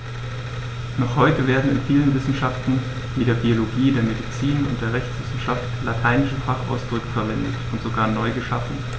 Noch heute werden in vielen Wissenschaften wie der Biologie, der Medizin und der Rechtswissenschaft lateinische Fachausdrücke verwendet und sogar neu geschaffen.